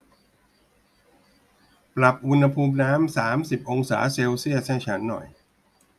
ปรับอุณหภูมิน้ำสามสิบองศาเซลเซียสให้ฉันหน่อย